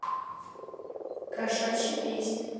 кошачьи песни